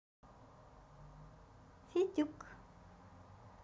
feduk